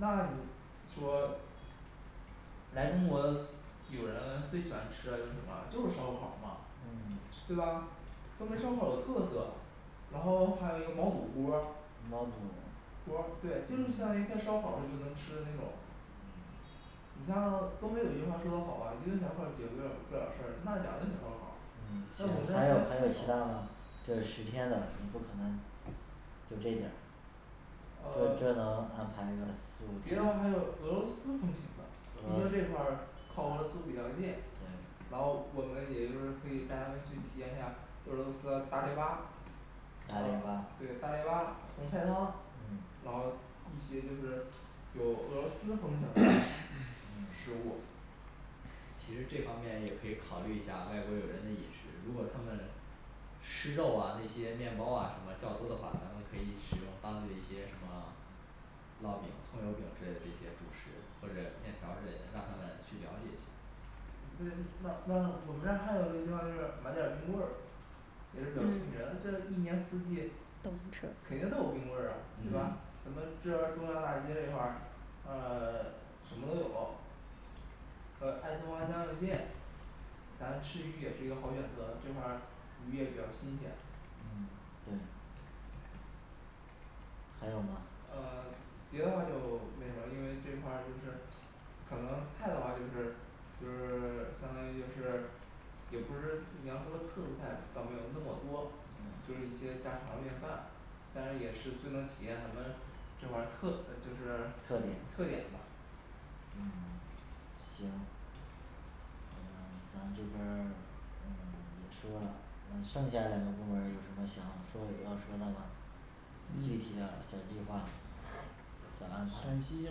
嗯你说。来中国友人最喜欢吃的就是什么？就是烧烤儿嘛嗯，对吧？东北烧烤儿有特色。然后还有一个毛肚锅儿，毛肚锅儿对，就是相当于嗯跟烧烤似的就能吃的那种嗯你像东北有一句话说的好吧，一顿小烧烤儿解决不了事儿，那两顿小烧烤儿嗯，行，，那还有我们还这有其他的吗？这是十天的，你不可能。就这一点儿呃这 别就能安排一个四五天的还有俄罗斯风情的，俄毕罗竟斯，这块儿靠俄罗斯比较近对，然后我们也就是可以带他们去体验一下俄罗斯的大列巴对大列巴，大列巴，红菜汤嗯，然后一些就是有俄罗斯风情的食食嗯物其实这方面也可以考虑一下外国友人的饮食，如果他们吃肉啊那些面包啊什么较多的话，咱们可以食用当地的一些什么烙饼葱油儿饼之类的这些主食或者面条儿之类的，让他们去了解一下儿。那那那我们这儿还有个地方就是买点儿冰棍儿，也是比较出名嗯儿的，这一年四季肯定是肯定都有冰棍儿啊，对嗯吧嗯？什么这要中央大街这块儿呃 什么都有，呃爱中华江六街咱吃鱼也是一个好选择，这块儿鱼也比较新鲜。嗯对还有吗？呃别的话就没什么了，因为这块儿就是可能菜的话就是就是 相当于就是也不是就比方说特色菜倒没有那么多，嗯就是一些家常便饭，但是也是最能体验咱们，这块儿特就是特特点点吧。嗯，行，嗯 咱这边儿嗯，也说了那剩下两个部门儿有什么想要说有要说的吗？具体的嗯小计划，小安排陕西这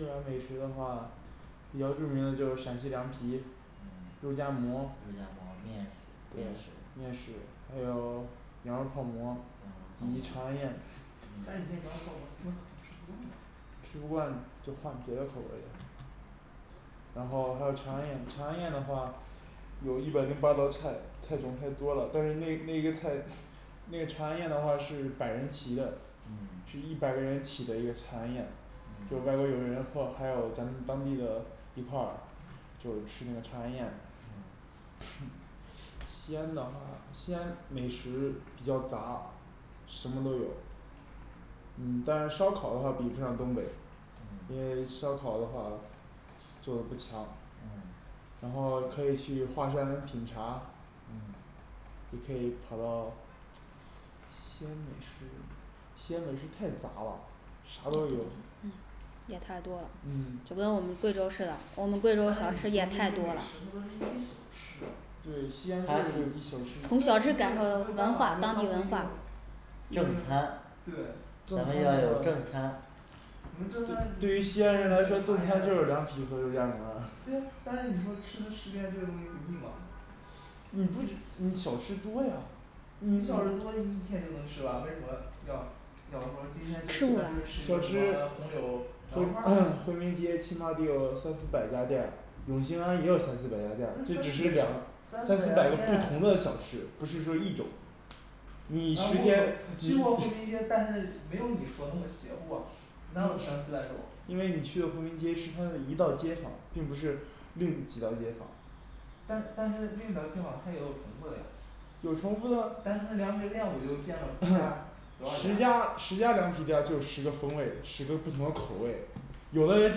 边儿美食的话比较著名的就是陕西凉皮、肉夹嗯馍肉夹馍面、对面食面食，还有羊肉泡羊肉馍以及长泡安馍宴。唉你这羊，嗯肉泡馍他们可能出不惯呢吃不惯就换别的口味的。然后还有长安宴长安宴的话，有一百零八道菜，菜种太多了，但是那那一个菜那个长安宴的话是百人齐的，是嗯一百人起的一个长安宴，嗯就是外国友人或还有咱们当地的一块儿就是吃那个长安宴嗯西安的话西安美食比较杂，什么都有。嗯，当然烧烤的话比不上东北，因嗯为烧烤的话做的不强，然嗯后可以去华山品茶嗯，你可以跑到西安美食，西安美食太杂了，啥都有，嗯嗯，，也太多了嗯，就跟我们贵州是的我们贵州刚才你说的这些美食它都是一些小吃，没有没有没有办法就是当做小吃也太多了，对它西安就是是一从一小吃小吃感受到文化当地一种文化正餐对，，正咱餐们这要个，有正餐，我们正餐对于西安人来说，正餐就是凉皮和肉夹馍了。 对呀，但是你说吃的十天这个东西不腻吗？你不是你小吃多呀，你小吃多你一天就能吃完，为什么要要说今天就去那儿吃一个红榴回民街起码得有三四百家店，永新安也有三四百那三四百三家店，这只是两三四四百百个家不同店的小吃，不是说一种你啊我我十天你去过回民街，但是没有你说那么邪乎啊，哪有三四百种，因为你去的回民街是它的一道街坊，并不是另几道街坊但是但是另几条街坊它也有重复的呀，有重复的，但是凉皮儿店我就见了不下多十少家家，十家凉皮店儿就有十个风味，十个不同的口味，有的人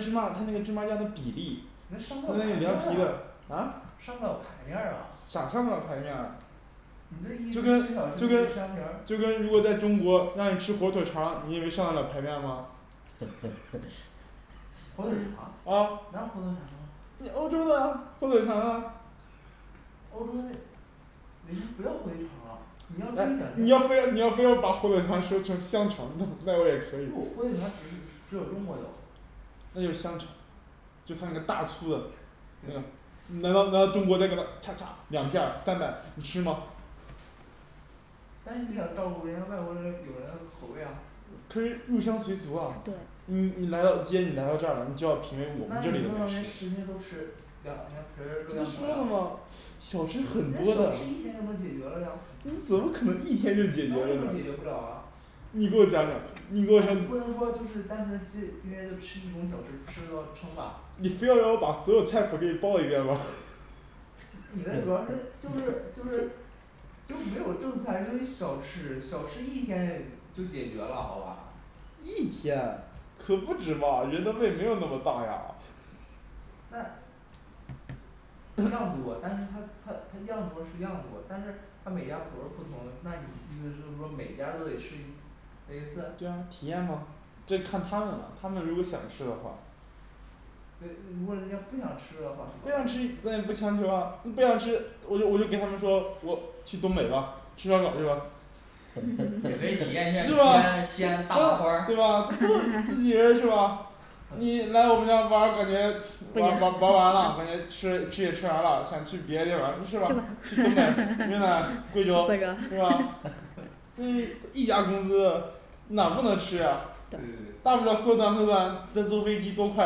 芝麻它那个芝麻酱的比例，他那上不了排那个面凉皮儿啊，，啊，上不了排面儿啊咋上不了牌面儿啊你这就意跟思是小吃就跟街商园儿就跟如果在中国让你吃火腿肠儿，你以为上的了排面儿吗？火腿肠儿，哪有火腿肠儿啊啊，那欧洲的火腿肠儿啊欧洲那人家不叫火腿肠儿啊，你要注诶意，你要非点儿，要人家你要非要把火腿肠儿说成香肠儿，那那我也可以，不火腿肠儿只是只有中国有那就是香肠儿就它那个大粗的就那个你们来来到中国那个擦擦两片儿三百你吃吗？但是你也要照顾人家外国人友人的口味呀，他是入乡随俗的啊，对你你来到既然你来到这儿你就要那你品味我们这就里的让人美家食十，天都吃，凉凉皮儿肉不是说夹了馍呀吗，小吃你很那多的小了吃，一天就能解决了呀，你怎么可能一天那就解决我怎么解决不了了啊呀。你给我讲讲，你你你给我不讲，能说就是单纯今今天就吃一种小吃吃到撑吧你非要让我把所有菜谱儿给你报一遍吗。 你的主要是就是就是就没有正餐，因为小吃小吃一天就解决了好吧，一天可不止吧人的胃没有那么大呀那样儿多，但是它它它样儿多是样儿多，但是他每家口味儿不同，那你意思就是说每家儿都得吃一吃一次，对呀，体验吗，这看他们了，他们如果想吃的话。对，如果人家不想吃了的话，怎不想吃么办咱也不强求啊？不想吃我就我就给他们说我去东北吧，吃烧烤去吧也可以是吧，对对吧？这都是体验体验一 下西安西安大麻花儿自己，人是吧？ 你来我们这儿玩儿感觉玩儿玩儿玩儿完了，感觉吃吃也吃完了，想去别的地儿了是吧？去东北云南可贵以了州是吧？这 一家公司哪儿不能吃啊，对对对对 大不了负担负担这坐飞机多快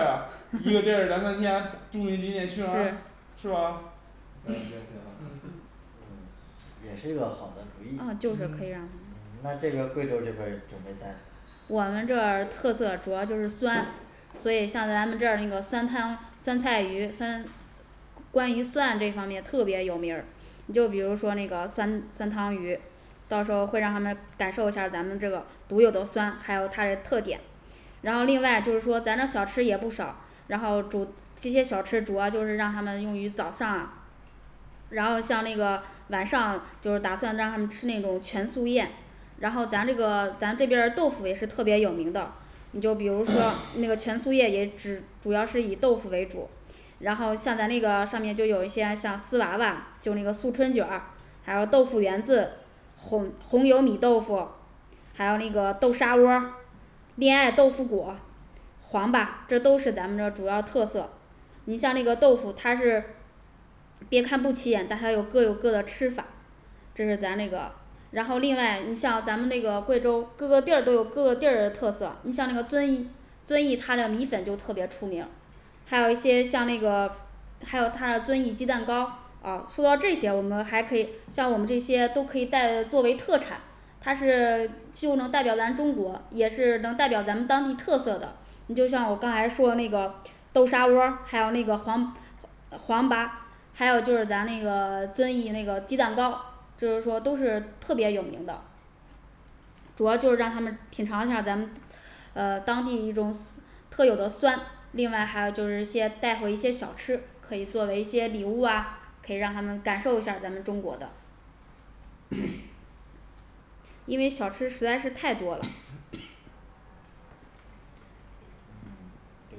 呀，一个地儿两三天，住你几天吃完，是吧？行行行， 嗯嗯，也是一个好的主意，啊，就是这样，那这个贵州这边儿准备带我们这儿特色主要就是酸，所以像咱们这儿那个酸汤、酸菜鱼、酸，关于酸这方面特别有名儿，你就比如说那个酸酸汤鱼，到时候儿会让他们感受一下儿咱们这个独有的酸，还有它的特点然后另外就是说咱这儿小吃也不少，然后主这些小吃主要就是让他们用于早上啊然后像那个晚上就是打算让他们吃那种全素宴，然后咱这个咱这边儿豆腐也是特别有名的，你就比如说那个全素宴也只主要是以豆腐为主然后像咱那个上面就有一些像丝娃娃、就那个素春卷儿，还有豆腐园子，红红油米豆腐还有一个豆沙窝儿，恋爱豆腐果儿，黄粑这都是咱们这儿主要特色。 你像这个豆腐它是别看不起眼，但它有各有各的吃法，这是咱那个，然后另外你像咱们那个贵州各个地儿都有各个地儿的特色，你像那个遵义遵义它那米粉就特别出名儿还有一些像那个还有它的遵义鸡蛋糕儿啊除了这些我们还可以像我们这些都可以带作为特产，它是就能代表咱中国，也是能代表咱们当地特色的，你就像我刚才说那个豆沙窝儿，还有那个黄黄粑还有就是咱那个 遵义那个鸡蛋糕，就是说都是特别有名的主要就是让他们品尝一下儿咱们呃当地一种特有的酸，另外还有就是一些带回一些小吃，可以作为一些礼物啊，可以让他们感受一下儿咱们中国的 &&因为小吃实在是太多了&& 嗯，对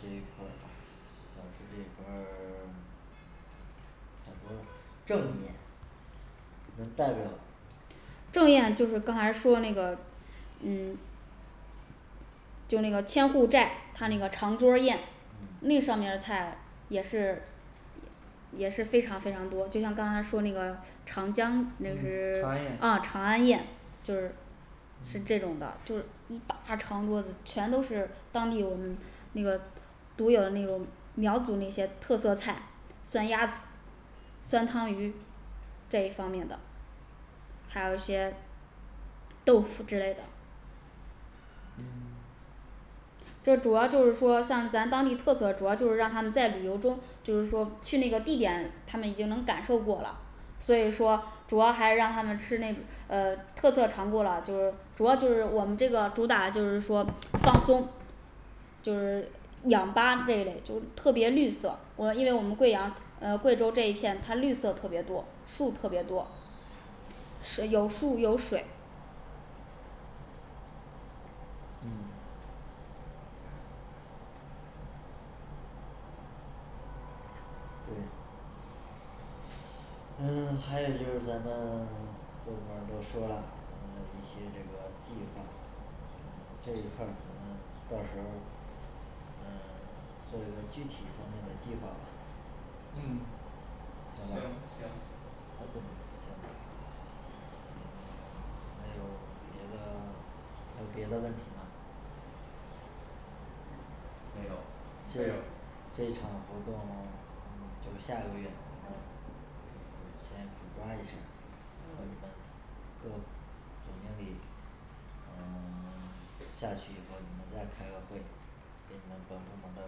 这一块儿，小吃这一块儿 嗯，很多，正宴，能代表正宴就是刚才说那个嗯 就那个千户寨，它那个长嗯桌儿宴那嗯上面儿菜也是也是非常非常多，就像刚才说那个长江，就是 嗯，嗯长安宴长安宴就是是这种嗯的就是一大长桌子全都是当地我们那个独有的那个苗族那些特色菜，酸鸭子、酸汤鱼这一方面的还有一些豆腐之类的嗯 这主要就是说像咱当地特色，主要就是让他在旅游中就是说去那个地点他们已经能感受过了。所以说主要还是让他们吃那呃特色唐古老，主要就是我们这个主打就是说放松就是氧吧这一类就是特别绿色，我们因为我们贵阳呃贵州这一片它绿色特别多，树特别多是有树有水嗯对嗯，还有就是咱们 各部门儿都说了咱们的一些这个计划，这一块儿，你们到时候儿呃做一个具体的那个计划嗯行吧，行，嗯 行&好的&还有别的问还有别的问题吗？没有这没有这场活动嗯，就下个月咱们嗯 先主抓一下儿，然后你们各总经理嗯 下去以后你们再开个会你们本部门再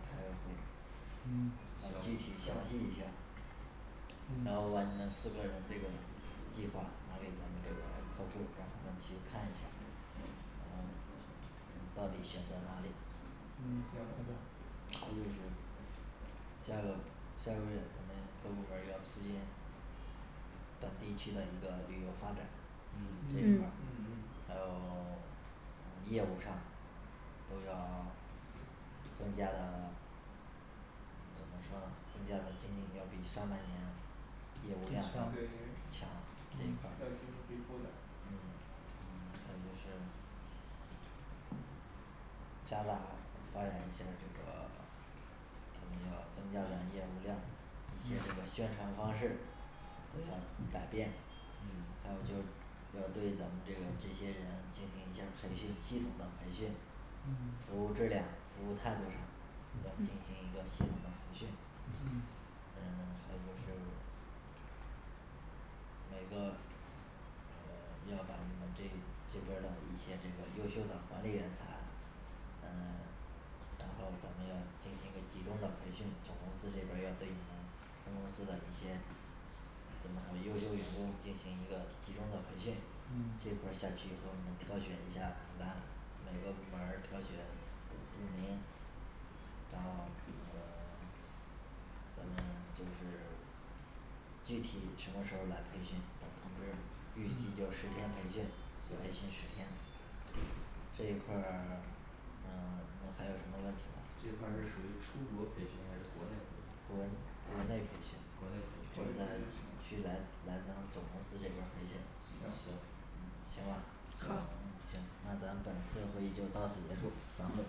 开个会嗯，再具体行详细一行下儿然后把你行们四个人这种计划拿给咱们这个客户，让他们去看一下儿嗯 到底选择哪里，嗯行好的还有就是下个下个月咱们各部门儿要复印本地区的一个旅游发展这块嗯儿嗯嗯嗯嗯，还有 业务上都要更加的嗯，怎么说呢更加的经济要比上半年业务量要要对，嗯，都强强，这一块儿，要提出评估的嗯，还有就是加大发展一些这个 咱们要增加咱们业务量，一些这个嗯宣传方式都要改变，嗯还有就是要对咱们这个这些人进行一下儿培训系统的培训嗯服务质量服务态度上咱们进行一个系统的培训。嗯嗯，还有就是每个呃 要把你们这这边儿的一些这个优秀的管理人才嗯 然后咱们要进行一集中的培训，总公司这边儿要对你们分公司的一些咱们的优秀员工进行一个集中的培训&嗯&这块儿下去以后你们挑选一下名单，每个部门儿挑选五五名然后那个 咱们就是具体什么时候儿来培训？等通知，预期嗯就十天培训，为期十行天，这一块儿 嗯，你们还有什么问题吗？这块儿是属于出国培训还是国内培训国对国内对培训国国内，内培训就在培训去来来咱们总公司这边儿培训，嗯，行行行吗行行嗯，行，那咱本次的会议就到此结束，散会。